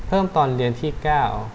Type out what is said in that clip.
เพิ่มตอนเรียนที่เก้า